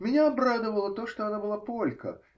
Меня обрадовало то, что она была полька.